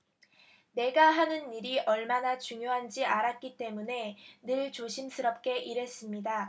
내가 하는 일이 얼마나 중요한지 알았기 때문에 늘 조심스럽게 일했습니다